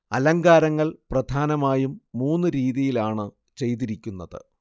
അലങ്കാരങ്ങൾ പ്രധാനമായും മൂന്നു രീതിയിലാണ് ചെയ്തിരിക്കുന്നത്